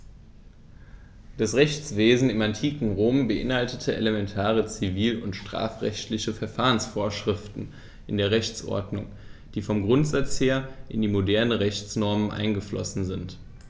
Das Rechtswesen im antiken Rom beinhaltete elementare zivil- und strafrechtliche Verfahrensvorschriften in der Rechtsordnung, die vom Grundsatz her in die modernen Rechtsnormen eingeflossen sind.